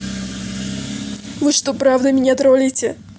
вы что правда меня троллите